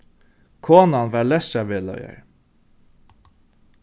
konan var lestrarvegleiðari